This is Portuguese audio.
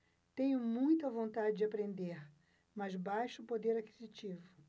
tenho muita vontade de aprender mas baixo poder aquisitivo